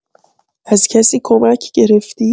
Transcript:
از کسی کمک گرفتی؟